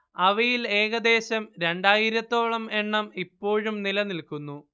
അവയിൽ ഏകദ്ദേശം രണ്ടായിരത്തോളം എണ്ണം ഇപ്പോഴും നിലനിൽക്കുന്നു